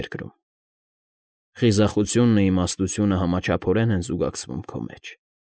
Երկրում։ Խիզախությունն ու իամստությունը համաչափորեն են զուգակցվում քո մեջ։